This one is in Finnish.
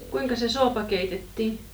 kuinka se suopa keitettiin